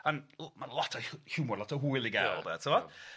On' w- ma' lot o hiw- hiwmor, lot o hwyl i ga'l ia de, t'mo'?